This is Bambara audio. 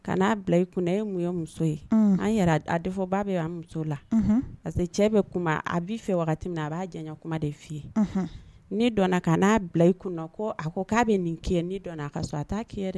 Kana'a bila i kun ye mun ye muso ye an yɛrɛ a de fɔ ba bɛ an muso la parce que cɛ bɛ kuma a b'i fɛ min a b'a janɲa kuma de'i ye ni dɔn ka n'a bila i kun ko a ko k' aa bɛ nin kɛ ni dɔn a ka sɔrɔ a taa dɛ